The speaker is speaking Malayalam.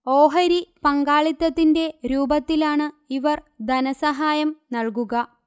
ഓഹരി പങ്കാളിത്തത്തിന്റെ രൂപത്തിലാണ് ഇവർ ധനസഹായം നൽകുക